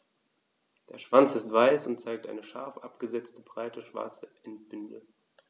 Der Schwanz ist weiß und zeigt eine scharf abgesetzte, breite schwarze Endbinde.